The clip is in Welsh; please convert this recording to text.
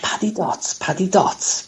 ...pad i dots pad i dots.